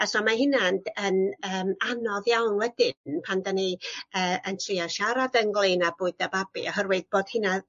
A so mae hynna'n yn yym anodd iawn wedyn pan 'dan ni yy yn trio siarad ynglŷn â bwydo babi oherwydd bod hynna